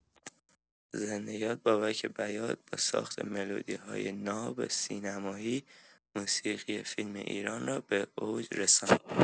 زندۀاد بابک بیات با ساخت ملودی‌های ناب سینمایی، موسیقی فیلم ایران را به اوج رساند.